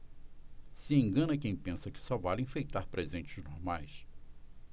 se engana quem pensa que só vale enfeitar presentes normais